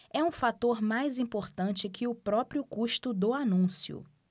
é um fator mais importante que o próprio custo do anúncio